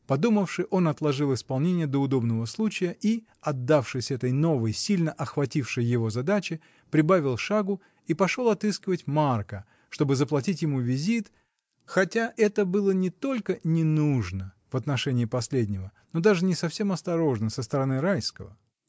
Подумавши, он отложил исполнение до удобного случая — и отдавшись этой новой, сильно охватившей его задаче, прибавил шагу и пошел отыскивать Марка, чтобы заплатить ему визит, хотя это было не только не нужно в отношении последнего, но даже не совсем осторожно со стороны Райского.